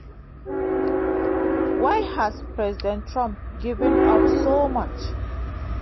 Why has President Trump given up so much?